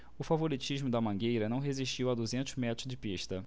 o favoritismo da mangueira não resistiu a duzentos metros de pista